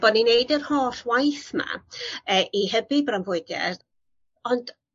bo' ni'n neud yr holl waith 'ma yy i hybu bronfwydier ond